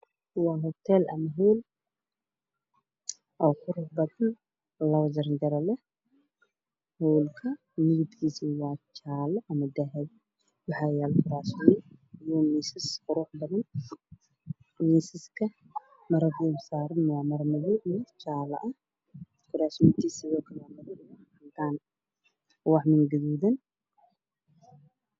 Waa huteel ama hool labo jaranjaro leh midabkiisu waa jaale ama dahabi. Waxaa yaalo kuraasman iyo miisas. Miiska marada dulsaaran waa madow iyo jaale kuraasman kuna waa madow iyo cadaan, ubaxyo gaduudan.